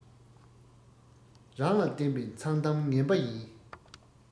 རང ལ བརྟེན པའི མཚང གཏམ ངན པ ཡིན